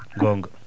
goonga